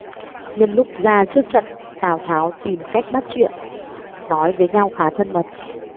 nhân lúc ra trước trận tào tháo tìm cách bắt chuyện nói với nhau khá thân mật